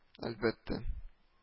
Әлбәттә